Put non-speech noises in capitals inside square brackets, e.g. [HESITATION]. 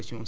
[HESITATION] [HESITATION]